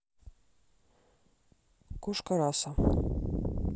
кошка раса